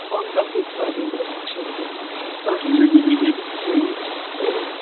Ond am pitsa. Fi'n gwbod bod fi 'di siarad lot am pitsa! Dwi'n hoffi...